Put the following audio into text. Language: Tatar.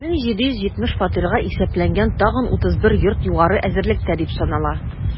1770 фатирга исәпләнгән тагын 31 йорт югары әзерлектә дип санала.